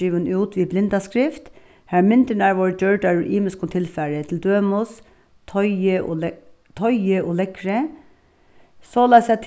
givin út við blindaskrift har myndirnar vóru gjørdar úr ymiskum tilfari til dømis toyi toyi og leðri soleiðis at